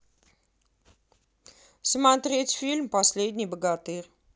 смотреть фильм последний богатырь